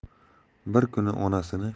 bir kuni onasini